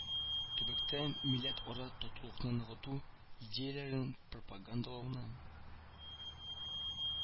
Төбәктә милләтара татулыкны ныгыту идеяләрен пропагандалауны